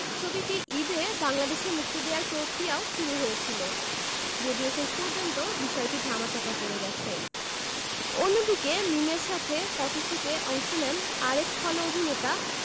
ছবিটি ঈদে বাংলাদেশে মুক্তি দেয়ার প্রক্রিয়াও শুরু হয়েছিল যদিও শেষ পর্যন্ত বিষয়টি ধামাচাপা পড়ে গেছে অন্যদিকে মিমের সাথে ফটশুটে অংশ নেন আরেক খল অভিনেতা